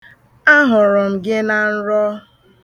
Ahụrụ m gị na nrọ.